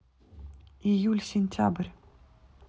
июль сентябрь